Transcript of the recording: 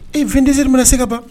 Ee vingt deux heures mana se ka ban